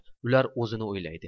ular o'zini o'ylaydi